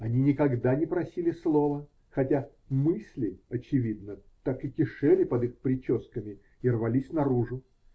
Они никогда не просили слова, хотя "мысли", очевидно, так и кишели под их прическами и рвались наружу